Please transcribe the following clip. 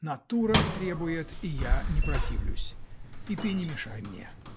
Натура требует -- и я не противлюсь. И ты не мешай мне.